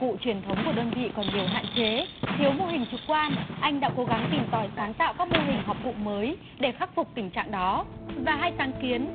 cụ truyền thống của đơn vị còn nhiều hạn chế thiếu mô hình trực quan anh đã cố gắng tìm tòi sáng tạo các mô hình học cụ mới để khắc phục tình trạng đó và hai sáng kiến